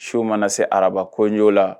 Su mana se arabakoɲo la